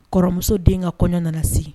Kɔrɔmuso den ka kɔɲɔ nana se